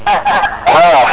a